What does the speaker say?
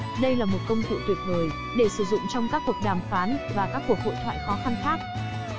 đây là một công cụ tuyệt vời để sử dụng trong các cuộc đàm phán và các cuộc hội thoại khó khăn khác